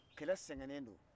kɛlɛ sɛgɛnne don